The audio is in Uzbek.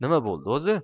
nima bo'ldi o'zi